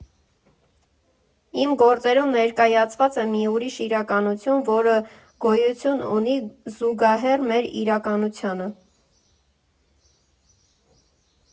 Իմ գործերում ներկայացված է մի ուրիշ իրականություն, որը գոյություն ունի զուգահեռ մեր իրականությանը։